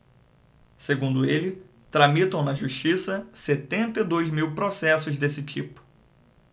segundo ele tramitam na justiça setenta e dois mil processos desse tipo